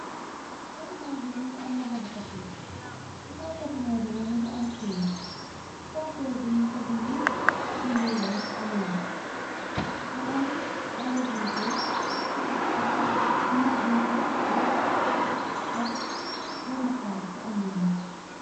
Potimeew bi mingi am loxo bu kote, ci kaw potimeew bi nak mingi am kayt. Ci kaw kayt bi ñumfa bindi, bindi rey Omela, mu am ay rodi bulo ak nak bum fa def ak benn caas bu am meew.